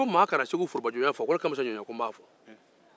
ko maa kana segu forobajɔnya fo ko ne kamissa ɲɔɲɔ b'a fɔ